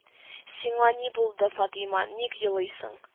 – сиңа ни булды, фатыйма, ник елыйсың